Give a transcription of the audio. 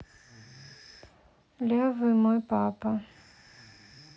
левый мой папа